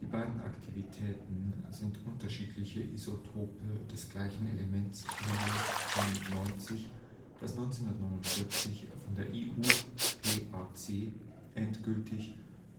Die beiden Aktivitäten sind unterschiedliche Isotope des gleichen Elements Nr. 91, das 1949 von der IUPAC endgültig